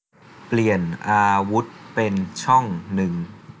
เปลี่ยนอาวุธเป็นช่องหนึ่ง